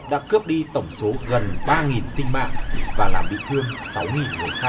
đã cướp đi tổng số gần ba nghìn sinh mạng và làm bị thương sáu nghìn người khác